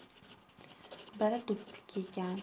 biri do'ppi kiygan